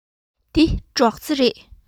འདི སྒྲོག རྩེ རེད